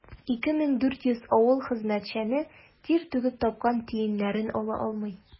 2400 авыл хезмәтчәне тир түгеп тапкан тиеннәрен ала алмый.